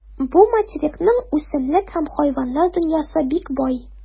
Бу материкның үсемлек һәм хайваннар дөньясы бик бай.